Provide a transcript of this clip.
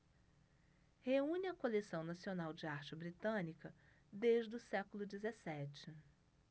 reúne a coleção nacional de arte britânica desde o século dezessete